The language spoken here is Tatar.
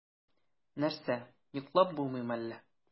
Нәрсә, йоклап булмыймы әллә?